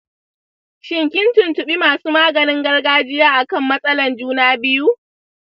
shin kin tuntubi masu maganin gargajiya akan matsalan juna biyu?